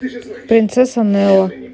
принцесса нелла